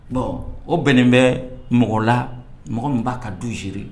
Bon o bɛnnen bɛ mɔgɔ la mɔgɔ min b'a ka dui